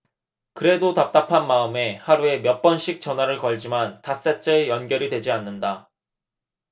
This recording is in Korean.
그래도 답답한 마음에 하루에 몇 번씩 전화를 걸지만 닷새째 연결이 되지 않는다